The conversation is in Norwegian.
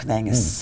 ja.